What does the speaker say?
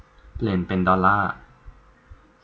เปลี่ยนเป็นดอลล่า